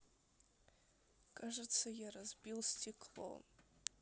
кажется я разбил стекло